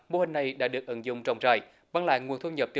mô hình này đã được ứng dụng rộng rãi mang lại nguồn thu nhập